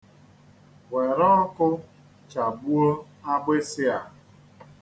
Were ọkụ chagbuo agbịsi a.